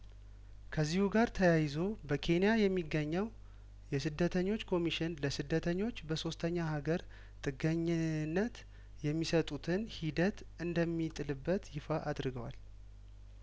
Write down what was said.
ከዚሁ ጋር ተያይዞ በኬንያ የሚገኘው የስደተኞች ኮሚሽን ለስደተኞች በሶስተኛ ሀገር ጥገኝነት የሚሰጡትን ሂደት እንደሚጥልበት ይፋ አድርገዋል